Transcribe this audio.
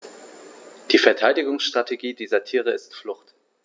Die Verteidigungsstrategie dieser Tiere ist Flucht.